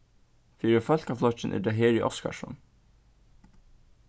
fyri fólkaflokkin er tað heri oskarsson